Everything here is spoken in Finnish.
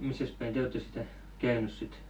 missäs päin te olette sitä käynyt sitten